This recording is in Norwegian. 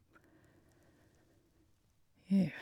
Ja.